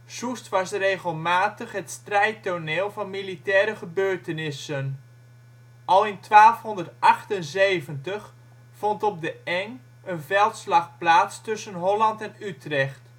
Soest was regelmatig het strijdtoneel van militaire gebeurtenissen. Al in 1278 vond op de Engh een veldslag plaats tussen Holland en Utrecht